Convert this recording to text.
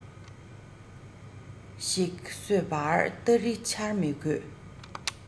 ཤིག གསོད པར སྟ རེ འཕྱར མི དགོས